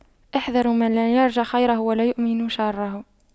احذروا من لا يرجى خيره ولا يؤمن شره